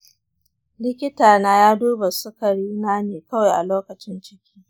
likitana ya duba sukari na ne kawai a lokacin ciki.